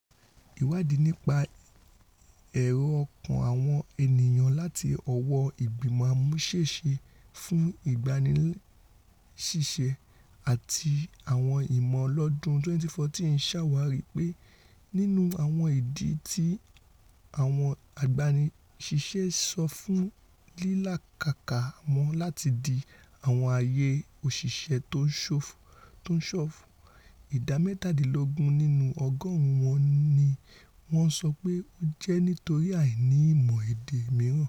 Ìwáàdí nípa èrò-ọkàn àwọn ènìyàn láti ọwọ Ìgbìmọ̀ Amúṣẹ́ṣe fún Ìgbaniṣíṣẹ́ àti Àwọn Ìmọ̀ lọ́dún 2014 ṣàwárí pé nínú àwọn ìdí tí àwọn agbaniṣ̵íṣẹ́ sọ fún lílàkàkà wọn láti di àwọn ààyè òṣìṣẹ́ tó ṣófo, ìdá mẹ́tàdínlógún nínú ọgọ́ọ̀rún wọn ni wọ́n sọ pé ó jẹ́ nítorí àìni ìmọ̀ ède mìíràǹ.